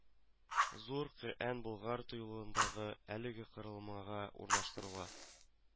Зур Коръән Болгар тыюлыгындагы әлеге корылмага урнаштырыла